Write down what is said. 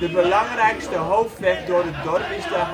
belangrijkste hoofdweg door het dorp is de